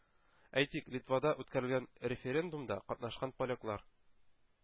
Әйтик, Литвада үткәрелгән референдумда катнашкан поляклар,